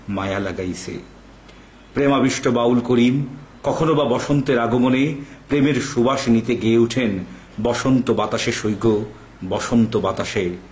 মায়া লাগাইছে প্রেম আবিষ্ট বাউল করিম কখনোবা বসন্তের আগমনে প্রেমের সুবাস নিতে গেয়ে ওঠেন বসন্ত বাতাসে সইগো বসন্ত বাতাসে